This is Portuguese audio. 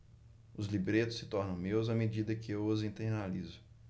os libretos se tornam meus à medida que os internalizo